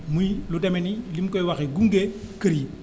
muy lu demee ni lim koy waxee gunge kër yi